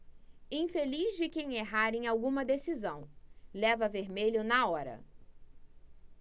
infeliz de quem errar em alguma decisão leva vermelho na hora